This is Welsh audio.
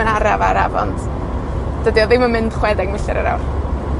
yn araf araf, ond, dydi o ddim yn mynd chwe deg milltir yr awr.